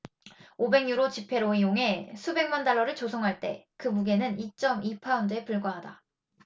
오백 유로 지폐로 이용해 수백만 달러를 조성할 때 그 무게는 이 쩜 이 파운드에 불과하다